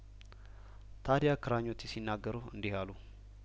ታድ ያክራኞቲ ሲናገሩ እንዲህ አሉ